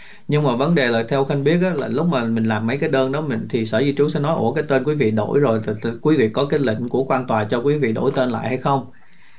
nhưng mà vấn đề là theo khanh biết á là lúc mà mình làm mấy cái đơn đó mình thì sở di trú sẽ nói ủa cái tên quý vị đổi rồi quý vị có cái lệnh của quan tòa cho quý vị đổi tên lại hay không